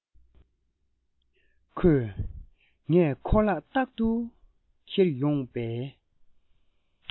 ཁོས ངས ཁོར ལག རྟགས སུ འཁྱེར ཡོང པའི